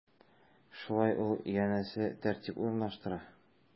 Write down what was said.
Шулай ул, янәсе, тәртип урнаштыра.